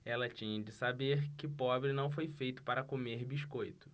ela tinha de saber que pobre não foi feito para comer biscoito